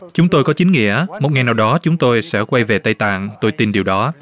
chúng tôi có chính nghĩa một ngày nào đó chúng tôi sẽ quay về tây tạng tôi tin điều đó